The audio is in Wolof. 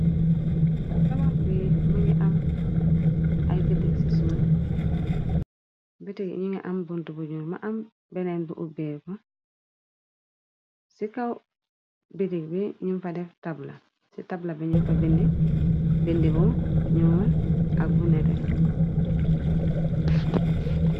tabax bi mungi am ay betic ci soufe betic yi ningi am bunt yu njul mungi am benén bu ubeku ci kaw betic bi nung fa def tabla ci tabla bi nu fa binde binde yu njul ak bu nete